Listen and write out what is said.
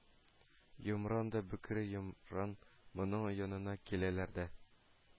Йомран һәм бөкре йомран моның янына киләләр дә: